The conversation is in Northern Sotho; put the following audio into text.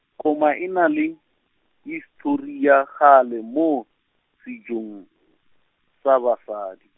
koma e na le, histori ya kgale mo setšong, sa basadi.